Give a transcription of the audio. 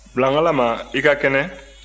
bilangalama i ka kɛnɛ